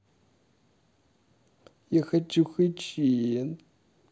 я хочу хычин